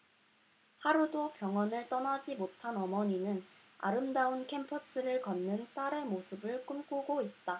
하루도 병원을 떠나지 못한 어머니는 아름다운 캠퍼스를 걷는 딸의 모습을 꿈꾸고 있다